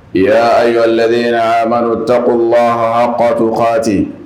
Yaa ayuha lazina amanu takkulaha akatu kaati